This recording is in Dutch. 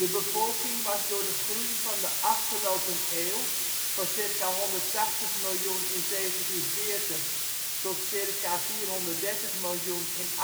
bevolking was door de groei van de afgelopen eeuw (van ca. 180 mln. in 1740 tot ca. 430 mln. in 1850